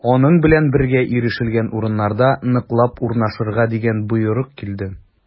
Аның белән бергә ирешелгән урыннарда ныклап урнашырга дигән боерык килде.